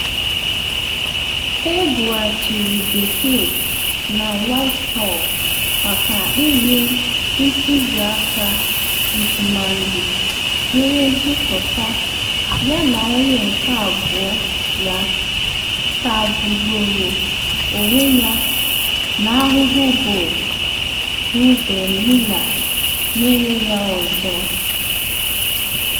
Ebughachiri English na Whitehall maka inye ntuziaka ntụmadị were zukọta yana onye nke abụọ ya tagbugoro onwe ya n’ahụhụ Bough, bụ Ben Miller mere ya ọzọ.